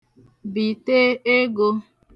bìte egō